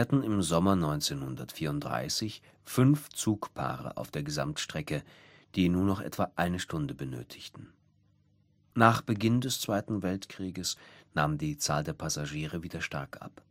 Im Sommer 1934 verkehrten fünf Zugpaare auf der Gesamtstrecke, die nur noch etwa eine Stunde benötigten. Nach Beginn des Zweiten Weltkrieges nahm die Zahl der Passagiere wieder stark ab